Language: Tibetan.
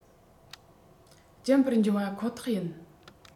རྒྱུན པར འབྱུང བ ཁོ ཐག ཡིན